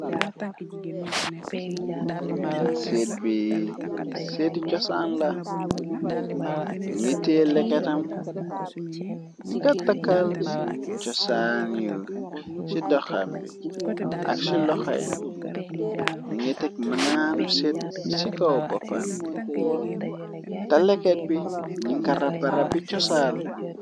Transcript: Seet bi seeti cosaan la mongi tiye leketam nyun ga takal cosaan yu ci doxam bi ak ci loxay yi munga tek malanu seet si kaw boppambi tex leket bi ñyun ko raba rabi cosaan.